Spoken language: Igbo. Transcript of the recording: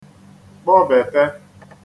kpọbète